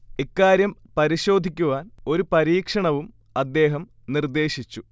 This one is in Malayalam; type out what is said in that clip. ഇക്കാര്യം പരിേശാധിക്കുവാൻ ഒരു പരീക്ഷണവും അദ്ദേഹം നിർദ്ദേശിച്ചു